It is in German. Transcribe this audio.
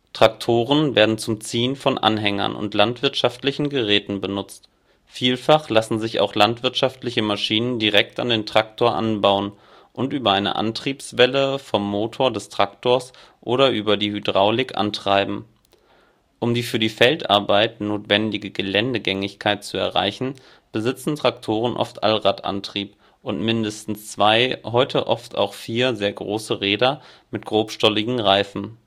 Traktoren werden zum Ziehen von Anhängern und landwirtschaftlichen Geräten benutzt. Vielfach lassen sich auch landwirtschaftliche Maschinen direkt an den Traktor anbauen und über eine Antriebswelle (Gelenkwelle/Zapfwelle) vom Motor des Traktors oder über die Hydraulik antreiben. Um die für die Feldarbeit notwendige Geländegängigkeit zu erreichen, besitzen Traktoren oft Allradantrieb und mindestens zwei, heute oft auch vier sehr große Räder mit grobstolligen Reifen